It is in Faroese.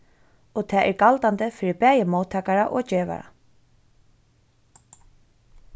og tað er galdandi fyri bæði móttakara og gevara